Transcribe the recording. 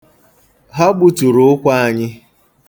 Ha gbuturu ụkwa anyị.